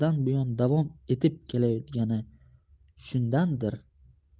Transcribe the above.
buyon davom etib kelayotgani shundandir